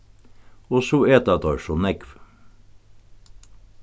og so eta teir so nógv